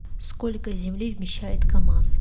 сколько земли вмещает камаз